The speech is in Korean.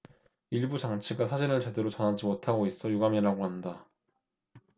일부 장치가 사진을 제대로 전하지 못하고 있어 유감이라고 한다